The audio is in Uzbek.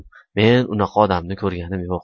men unaqa odamni ko'rganim yo'q